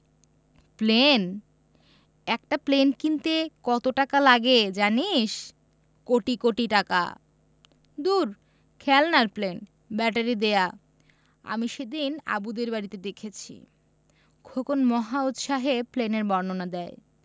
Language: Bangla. প্লেন একটা প্লেন কিনতে কত টাকা লাগে জানিস কোটি কোটি টাকা দূর খেলনার প্লেন ব্যাটারি দেয়া আমি সেদিন আবুদের বাড়িতে দেখেছি খোকন মহা উৎসাহে প্লেনের বর্ণনা দেয়